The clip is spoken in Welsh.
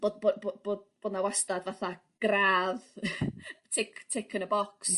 bod bod bo' bod bo' 'na wastad fatha gradd tic tic yn y bocs.